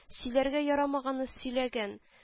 Сөйләргә ярамаганны сөйләгән